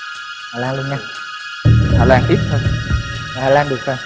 hà lan luôn nha hà lan tiếp thôi hà lan được rồi